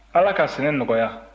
ala ka sɛnɛ nɔgɔya